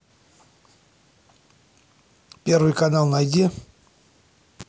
первый канал найди